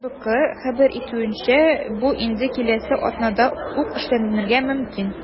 РБК хәбәр итүенчә, бу инде киләсе атнада ук эшләнергә мөмкин.